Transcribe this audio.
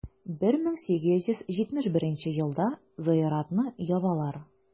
1871 елда зыяратны ябалар.